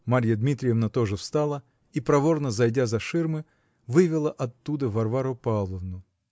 Марья Дмитриевна тоже встала и, проворно зайдя за ширмы, вывела оттуда Варвару Павловну.